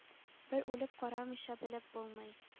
Бер үлеп карамыйча, белеп булмый.